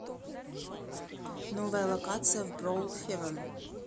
новая локация в brawl heaven